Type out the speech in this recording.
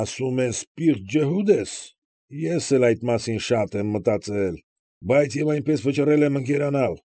Ասում ես պիղծ ջհուդ ես։ Ես էլ այս մասին շատ եմ մտածել, բայց և այնպես վճռել եմ ընկերանալ։